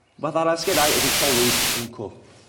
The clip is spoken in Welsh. Fath arall sgennai ydi colis yn fwncw.